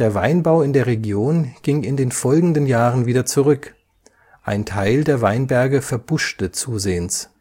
Weinbau in der Region ging in den folgenden Jahren wieder zurück, ein Teil der Weinberge verbuschte zusehends